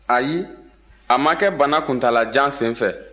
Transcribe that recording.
ayi a ma kɛ bana kuntaalajan sen fɛ